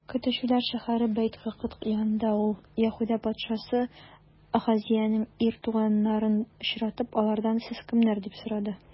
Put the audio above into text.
Көтүчеләр шәһәре Бәйт-Гыкыд янында ул, Яһүдә патшасы Ахазеянең ир туганнарын очратып, алардан: сез кемнәр? - дип сорады.